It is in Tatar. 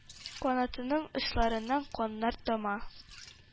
Канатының очларыннан каннар тама,